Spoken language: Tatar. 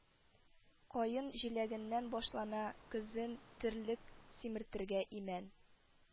Каен җиләгеннән башлана, көзен терлек симертергә имән